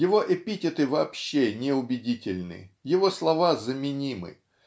Его эпитеты вообще неубедительны, его слова заменимы